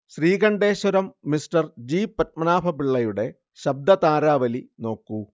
Sreekanteswaram mister G പത്മനാഭപിള്ളയുടെ ശബ്ദതാരാവലി നോക്കൂ